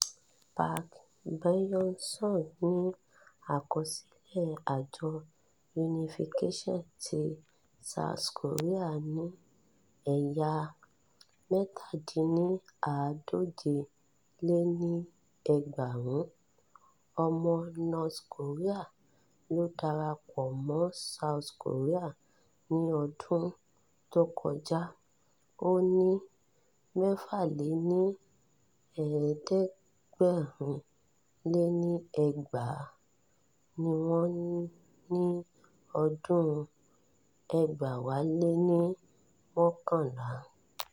Park Byeong-seug ní àkọsílẹ̀ àjọ Unification ti South Korea ní èèyàn 1,127 ọmọ North Korea ló darapọ̀ mọ́ South Korea ní ọdún tó kọjá. Ó ní 2,706 ni wọ́n ní 2011.